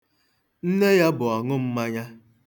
Nne ya bụ ọṅụmmanya.